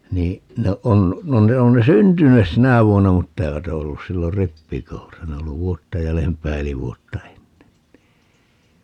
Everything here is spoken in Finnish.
niin no on no ne on ne syntyneet sinä vuonna mutta eivät ole ollut silloin rippikoulussa ne on ollut vuotta jäljempää eli vuotta ennen niin